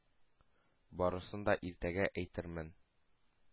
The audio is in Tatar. Барысын да иртәгә әйтермен...